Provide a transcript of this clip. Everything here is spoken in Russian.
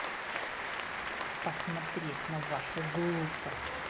посмотреть на вашу глупость